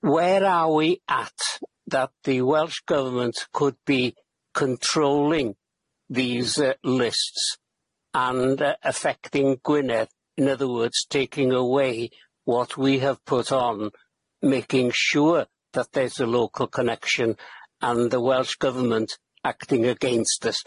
Where are we at that the Welsh Government could be controlling these er lists and er affecting Gwynedd in other words taking away what we have put on making sure that there's a local connection and the Welsh Government acting against us.